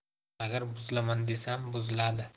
agar buzilaman desam buzuladi